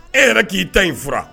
E yɛrɛ k'i ta in fura